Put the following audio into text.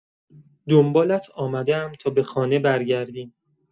دنبالت آمده‌ام تا به خانه برگردیم.